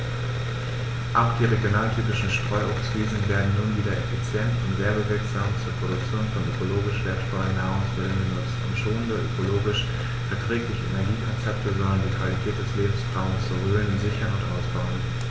Auch die regionaltypischen Streuobstwiesen werden nun wieder effizient und werbewirksam zur Produktion von ökologisch wertvollen Nahrungsmitteln genutzt, und schonende, ökologisch verträgliche Energiekonzepte sollen die Qualität des Lebensraumes Rhön sichern und ausbauen.